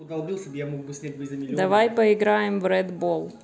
давай поиграем в рэд бол